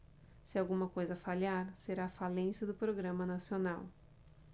se alguma coisa falhar será a falência do programa nacional